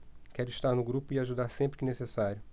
quero estar no grupo e ajudar sempre que necessário